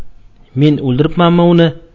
men o'ldiribmanmi uni